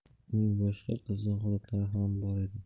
uning boshqa qiziq odatlari ham bor edi